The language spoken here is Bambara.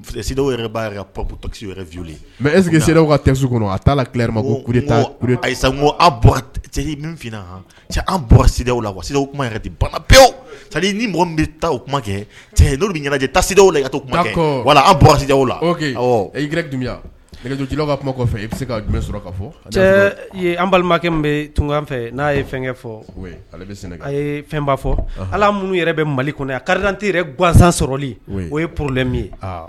P mɛ e ka a ma ko ayi ni taa kuma kɛ cɛ bɛ ɲɛnajɛ la ka walalaw ka kɔfɛ i bɛ se ka fɔ an balimakɛ bɛ tun fɛ n'a ye fɛnkɛ fɔ ye fɛn fɔ ala minnu yɛrɛ bɛ mali kɔnɔ a karidte gansan sɔrɔli o ye porole min ye